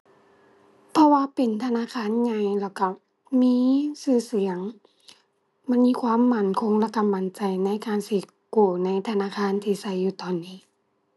เพราะว่าเป็นธนาคารใหญ่แล้วก็มีก็เสียง มันมีความมั่นคงแล้วก็มั่นใจในการสิกู้ในธนาคารที่ก็อยู่ตอนนี้